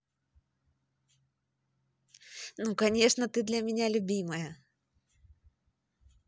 ну конечно ты для тебя любимая